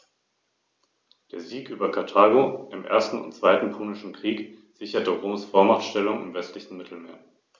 Grundfarbe des Gefieders ist ein einheitliches dunkles Braun.